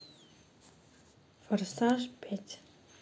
форсаж пять